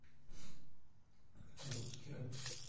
русский реп